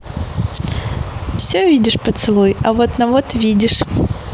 все видишь поцелуй а вот на вот видишь